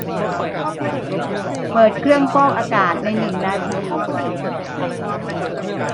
เปิดเครื่องฟอกอากาศในหนึ่งนาที